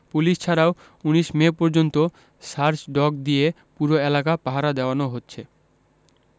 police ছাড়াও ১৯ May পর্যন্ত search dog দিয়ে পুরো এলাকা পাহারা দেওয়ানো হচ্ছে